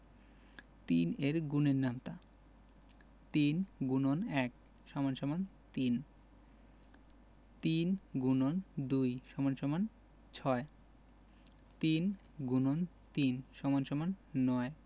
৩ এর গুণের নামতা ৩ X ১ = ৩ ৩ X ২ = ৬ ৩ × ৩ = ৯